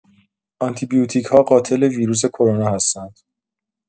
آنتی‌بیوتیک‌ها قاتل ویروس کرونا هستند.